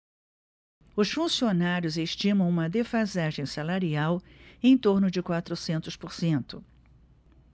os funcionários estimam uma defasagem salarial em torno de quatrocentos por cento